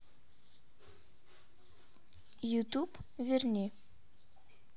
ютуб верни